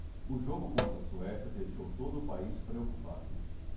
o jogo contra a suécia deixou todo o país preocupado